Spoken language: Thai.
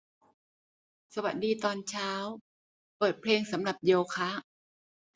สวัสดีตอนเช้าเปิดเพลงสำหรับโยคะ